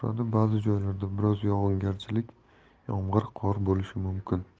ba'zi joylarda biroz yog'ingarchilik yomg'ir qor bo'lishi mumkin